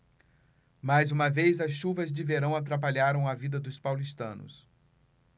mais uma vez as chuvas de verão atrapalharam a vida dos paulistanos